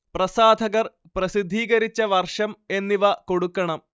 പ്രസാധകർ പ്രസിദ്ധീകരിച്ച വർഷം എന്നിവ കൊടുക്കണം